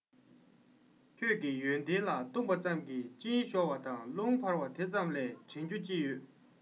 ཁྱོད ཀྱི ཡོན ཏན ལ བཏུངས པ ཙམ གྱིས གཅིན ཤོར བ རླུང འཕར བ དེ ཙམ གས དྲིན རྒྱུ ཅི ཡོད